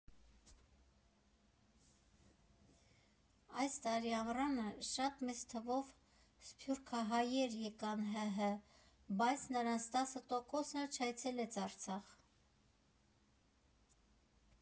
Այս տարի ամռանը շատ մեծ թվով սփյուռքահայեր եկան ՀՀ, բայց նրանց տասը տոկոսն էլ չայցելեց Արցախ։